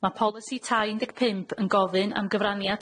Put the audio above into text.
Ma' polisi tai un deg pump yn gofyn am gyfraniad